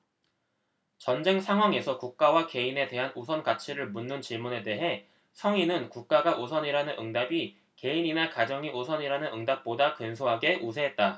전쟁 상황에서 국가와 개인에 대한 우선가치를 묻는 질문에 대해 성인은 국가가 우선이라는 응답이 개인이나 가정이 우선이라는 응답보다 근소하게 우세했다